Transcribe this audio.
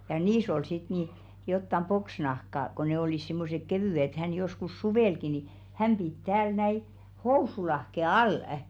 ja niissä oli sitten niin jotakin poksinahkaa kun ne olivat semmoiset kevyet että hän joskus suvellakin niin hän piti täällä näin housunlahkeen alla